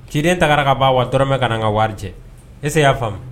Ci den taara ka ban wa tɔrɔmɛ 1 ka na n ka wari jɛn. Est ce que i y'a faamu.